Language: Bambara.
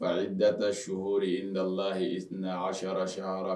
Parceali data su hridalahitina asiyarara sihayarara